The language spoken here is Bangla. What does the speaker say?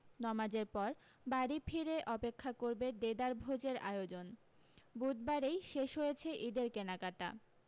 নমাজের পর বাড়ী ফিরে অপেক্ষা করবে দেদার ভোজের আয়োজন বুধবারৈ শেষ হয়েছে ঈদের কেনাকাটা